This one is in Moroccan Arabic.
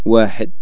واحد